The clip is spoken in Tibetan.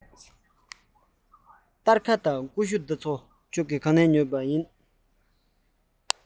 སྟར ཁ དང ཀུ ཤུ དེ ཚོ ག ནས གཟིགས པྰ